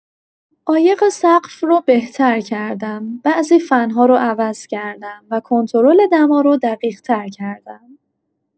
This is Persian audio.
عایق سقف رو بهتر کردم، بعضی فن‌ها رو عوض کردم و کنترل دما رو دقیق‌تر کردم.